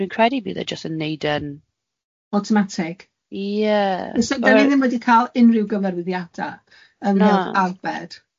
Dwi'n credu bydd e'n jyst yn wneud e'n Automatic? Ie. So dan ni ddim wedi cael unrhyw gyfarwyddiadau na. yn yr arbed?